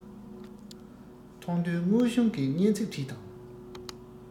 མཐོང ཐོས དངོས བྱུང གི སྙན ཚིག བྲིས དང